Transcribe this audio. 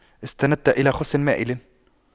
استندت إلى خصٍ مائلٍ